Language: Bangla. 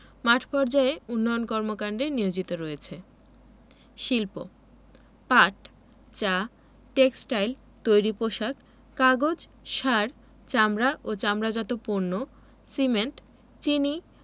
মাঠপর্যায়ে উন্নয়ন কর্মকান্ডে নিয়োজিত রয়েছে শিল্পঃ পাট চা টেক্সটাইল তৈরি পোশাক কাগজ সার চামড়া ও চামড়াজাত পণ্য সিমেন্ট চিনি